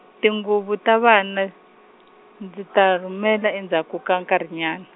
tinguvu ta vana, ndzi ta rhumela endzhaku ka nkarhinyana.